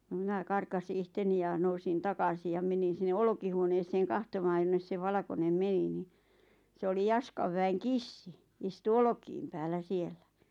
no minä karkaisin itseni ja nousin takaisin ja menin sinne olkihuoneeseen katsomaan jonne se valkoinen meni niin se oli Jaskan väen kissa istui olkien päällä siellä